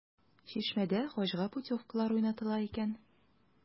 “чишмә”дә хаҗга путевкалар уйнатыла икән.